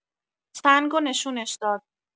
سنگو نشونش داد.